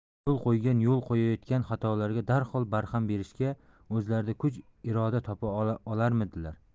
yo'l qo'ygan yo'l qo'yayotgan xatolarga darhol barham berishga o'zlarida kuch iroda topa olarmidilar